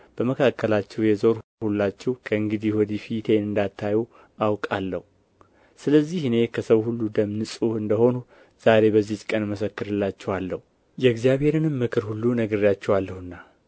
በመካከላችሁ የዞርሁ ሁላችሁ ከእንግዲህ ወዲህ ፊቴን እንዳትዩ አውቃለሁ ስለዚህ እኔ ከሰው ሁሉ ደም ንጹሕ እንደ ሆንሁ ዛሬ በዚች ቀን እመሰክርላችኋለሁ የእግዚአብሔርን ምክር ሁሉ ነግሬአችኋለሁና